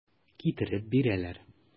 Китереп бирәләр.